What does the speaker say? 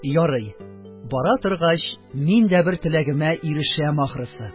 Ярый, бара торгач, мин дә бер теләгемә ирешәм, ахрысы!